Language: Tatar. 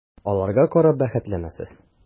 Аларга карап бәхетлеме сез?